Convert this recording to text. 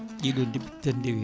ɗiɗo debbi tati dewi hen